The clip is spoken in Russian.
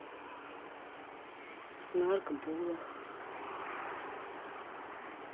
марк булах